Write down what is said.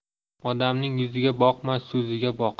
odamning yuziga boqma so'ziga boq